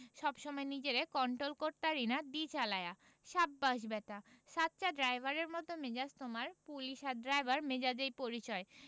সব সময় নিজেরে কন্টোল করতারি না দি চালায়া... সাব্বাস ব্যাটা সাচ্চা ড্রাইভারের মত মেজাজ তোমার পুলিশ আর ড্রাইভার মেজাজেই পরিচয়